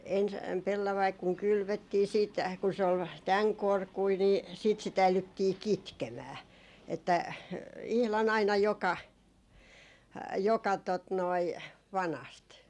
ensin pellavainen kun kylvettiin sitten kun se oli tämän korkuinen niin sitten sitä äidyttiin kitkemään että ihan aina joka joka tuota noin vanasta